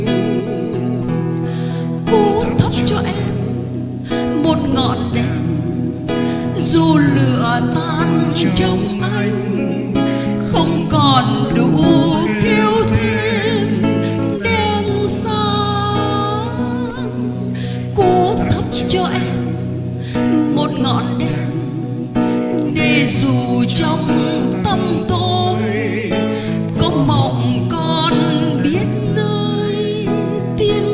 anh vố thắp cho em một ngọn đèn dù lửa tàn trong anh không còn đủ khêu thêm đèn sáng cố thắp cho em một ngọn đèn để dù trong tăm tối có mộng còn biết nơi tìm